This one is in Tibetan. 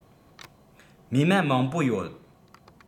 རྨས མ མང པོ ཡོད